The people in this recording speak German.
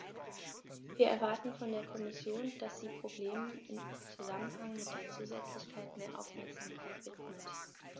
Wir erwarten von der Kommission, dass sie Problemen im Zusammenhang mit der Zusätzlichkeit mehr Aufmerksamkeit widmet.